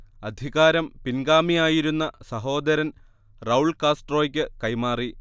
അധികാരം പിൻഗാമിയായിരുന്ന സഹോദരൻ റൗൾ കാസ്ട്രോക്ക് കൈമാറി